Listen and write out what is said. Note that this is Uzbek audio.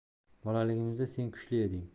bolaligimizda sen kuchli eding